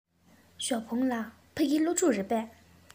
ཞའོ ཧྥུང ལགས ཕ གི སློབ ཕྲུག རེད པས